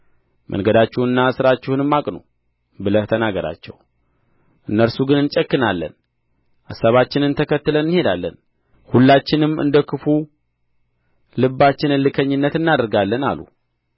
መንገዳችሁንና ሥራችሁንም አቅኑ ብለህ ተናገራቸው እነርሱ ግን እንጨክናለን አሳባችንን ተከትለን እንሄዳለን ሁላችንም እንደ ክፉው ልባችን እልከኝነት እናደርጋለን አሉ